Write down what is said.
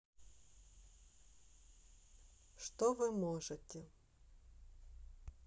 что вы можете